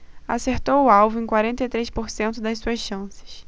acertou o alvo em quarenta e três por cento das suas chances